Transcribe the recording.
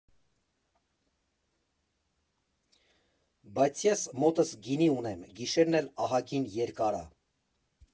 ֊ Բայց ես մոտս գինի ունեմ, գիշերն էլ ահագին երկար ա…